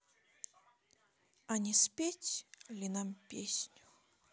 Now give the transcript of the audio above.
а не спеть ли нам песню